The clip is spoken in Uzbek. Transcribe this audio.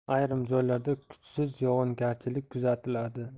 ayrim joylarda kuchsiz yog'ingarchilik kuzatiladi